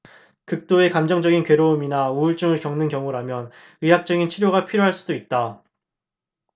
극도의 감정적인 괴로움이나 우울증을 겪는 경우라면 의학적인 치료가 필요할 수도 있다